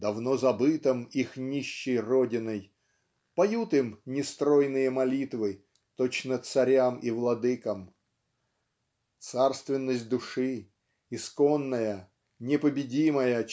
давно забытом их нищей родиной" поют им нестройные молитвы точно царям и владыкам. Царственность души исконная непобедимая